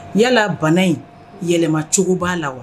Yala bana in, yɛlɛmacogo b'a la wa